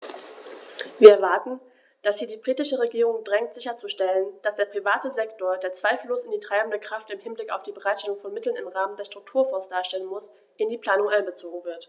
Wir erwarten, dass sie die britische Regierung drängt sicherzustellen, dass der private Sektor, der zweifellos die treibende Kraft im Hinblick auf die Bereitstellung von Mitteln im Rahmen der Strukturfonds darstellen muss, in die Planung einbezogen wird.